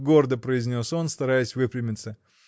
— гордо произнес он, стараясь выпрямиться.